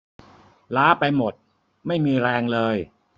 ล้าไปหมดไม่มีแรงเลย